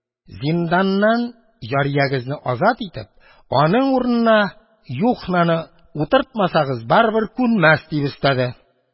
Зинданнан җариягезне азат итеп, аның урынына Юхнаны утыртмасагыз, барыбер күнмәс, – дип өстәде.